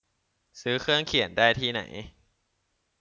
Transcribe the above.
ซื้อเครื่องเขียนได้ที่ไหน